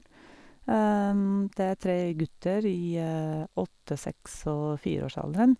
Det er tre gutter i åtte-, seks- og fireårsalderen.